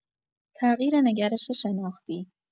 تغییر نگرش شناختی